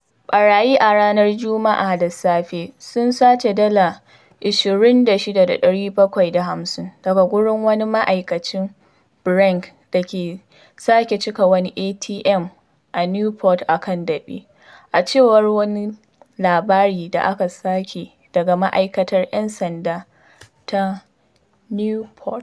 Ɓarayi a ranar Juma’a da safe sun sace dala 26,750 daga wurin wani ma’aikacin Brink da ke sake cika wani ATM a Newport a kan Daɓe, a cewar wani labari da aka sake daga Ma’aikatar ‘Yan Sanda ta Newport.